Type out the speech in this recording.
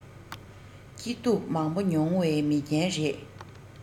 སྐྱིད སྡུག མང པོ མྱོང བའི མི རྒན རེད